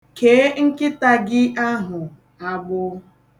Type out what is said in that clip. Kee nkịta gị ahụ agbụ.